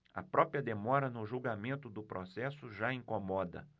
a própria demora no julgamento do processo já incomoda